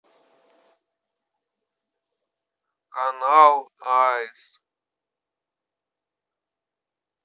канал аист